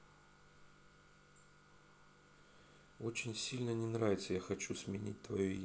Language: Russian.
очень сильно не нравится я хочу сменить твое имя